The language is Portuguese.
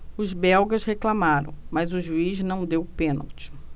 os belgas reclamaram mas o juiz não deu o pênalti